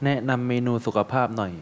แนะนำเมนูสุขภาพหน่อย